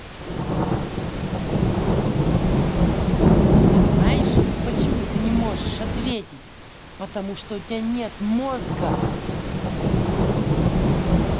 а знаешь почему ты не можешь ответить потому что у тебя нет мозга